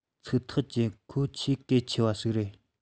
ཚིག ཐག བཅད ཁོ ཆེས གལ ཆེ བ ཞིག རེད